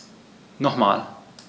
Nochmal.